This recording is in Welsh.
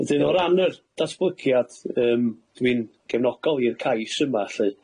Wedyn o ran yr datblygiad yym dwi'n gefnogol i'r cais yma lly.